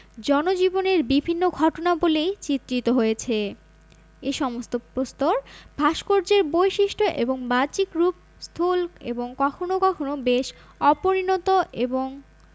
জনজীবনের বিভিন্ন ঘটনাবলি চিত্রিত হয়েছে এ সমস্ত প্রস্তর ভাস্কর্যের বৈশিষ্ট্য এবং বাহ্যিক রূপ স্থূল এবং কখনও কখনও বেশ অপরিণত এবং